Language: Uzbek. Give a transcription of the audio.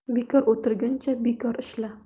bekor o'tirguncha bekor ishla